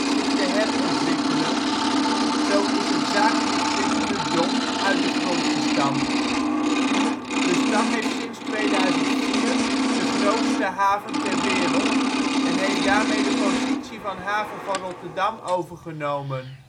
zich te herontwikkelen, zo is het zakendistrict Pudong uit de grond gestampt. De stad heeft sinds 2004 de grootste haven ter wereld en heeft daarmee de positie van haven van Rotterdam overgenomen